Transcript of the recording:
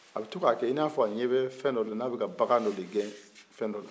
a bɛ to k'a kɛ i n'a fɔ a ɲɛ bɛ fɛn dɔ la n'a bɛ ka bagan dɔ gɛn fɛn dɔ la